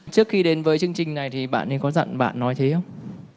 trước khi đến với chương trình này thì bạn ấy có dặn bạn nói thế không